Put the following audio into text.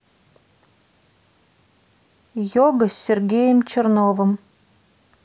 йога с сергеем черновым